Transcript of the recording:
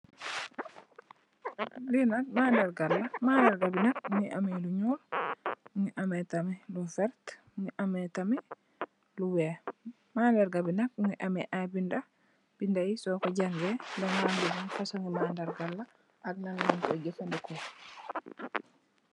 Lee nak manargal la madarga be nak muge ameh lu nuul muge ameh tamin lu verte muge ameh tamin lu weex manarga be nak muge ameh aye beda beda ye soku jange daga ham le ban fosunge manargal la ak lanlenkoye jufaneku.